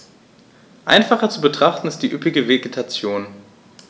Einfacher zu betrachten ist die üppige Vegetation.